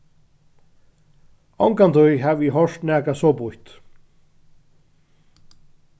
ongantíð havi eg hoyrt nakað so býtt